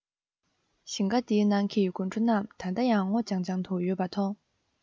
ཞིང ཁ འདིའི ནང གི དགུན གྲོ རྣམས ད ལྟ ཡང སྔོ ལྗང ལྗང དུ ཡོད པ མཐོང